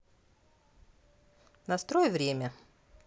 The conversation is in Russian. настрой время